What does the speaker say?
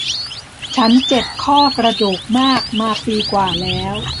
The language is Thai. ฉันเจ็บข้อกระดูกมากมาปีกว่าแล้ว